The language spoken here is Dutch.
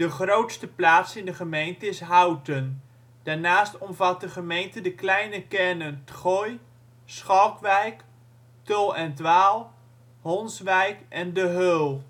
grootste plaats in de gemeente is Houten - daarnaast omvat de gemeente de kleine kernen ' t Goy, Schalkwijk, Tull en ' t Waal, Honswijk en De Heul